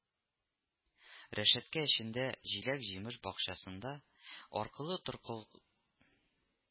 Рәшәткә эчендә – җиләк-җимеш бакчасында – аркылы-торкылы